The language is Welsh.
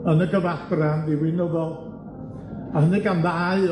yn y gyfadran ddiwinyddol, a hynny gan ddau